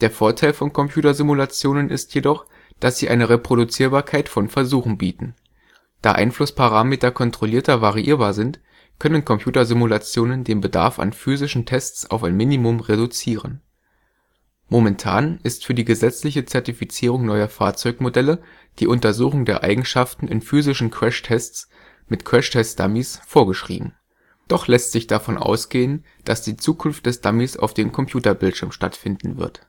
Vorteil von Computersimulationen ist jedoch, dass sie eine Reproduzierbarkeit von Versuchen bieten. Da Einflussparameter kontrollierter variierbar sind, können Computersimulationen den Bedarf an physischen Tests auf ein Minimum reduzieren. Momentan ist für die gesetzliche Zertifizierung neuer Fahrzeugmodelle die Untersuchung der Eigenschaften in physischen Crashtests – mit Crashtest-Dummies – vorgeschrieben. Doch lässt sich davon ausgehen, dass die Zukunft des Dummies auf dem Computerbildschirm stattfinden wird